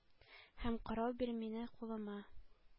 Ь.әм корал бир минем кулыма!